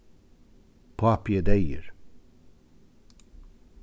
pápi er deyður